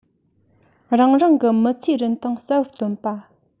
རང རང གི མི ཚེའི རིན ཐང གསལ པོར སྟོན པ